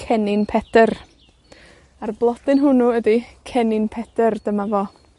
Cennin Pedyr, ar blodyn hwnnw ydi Cennin Pedyr. Dyma fo.